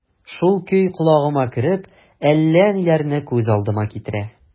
Шул көй колагыма кереп, әллә ниләрне күз алдыма китерә...